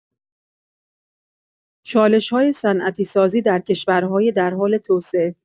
چالش‌های صنعتی‌سازی در کشورهای در حال توسعه